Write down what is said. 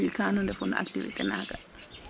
Depuis quand nu ndefu no activité naaga